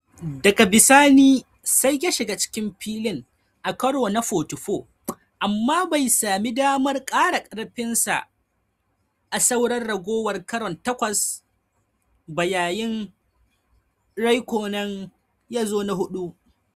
Daga bisani sai ya shiga cikin filin a karo na 44 amma bai sami damar kara karfinsa a sauran ragowan karon takwas ba yayin da Raikkonen yazo na hudu.